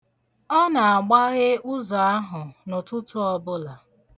Ọ na-agbaghe ụzọ ahụ n'ụtụtụ ọbụla.